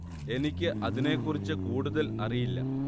എനിക്ക് അതിനെ കുറിച്ച് കൂടുതൽ അറിയില്ല